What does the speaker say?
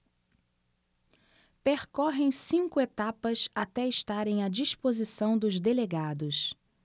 percorrem cinco etapas até estarem à disposição dos delegados